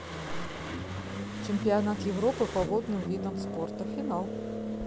чемпионат европы по водным видам спорта финал